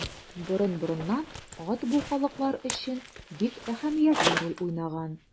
Борын-борыннан ат бу халыклар өчен бик әһәмиятле роль уйнаган.